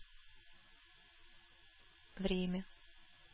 Время